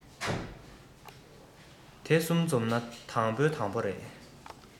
དེ གསུམ འཛོམས ན དང པོའི དང པོ རེད